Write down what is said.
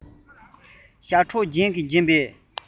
ཤ ཁྲག རྒྱན གྱིས བརྒྱན པའི